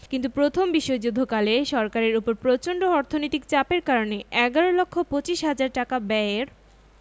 কিন্তু প্রথম বিশ্বযুদ্ধকালে সরকারের ওপর প্রচন্ড অর্থনৈতিক চাপের কারণে এগারো লক্ষ পচিশ হাজার টাকা ব্যয়ের